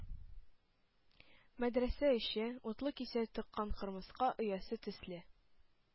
Мәдрәсә эче, утлы кисәү тыккан кырмыска оясы төсле,